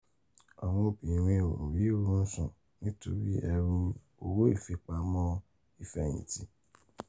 Àwọn obìnrin ò rí oorun sùn nítorí ẹ̀rù owó ìfipamọ́ ìfẹ̀hìntì